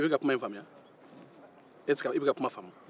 i beka kuma in faamuya